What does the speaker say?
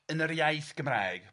yn yr iaith Gymraeg.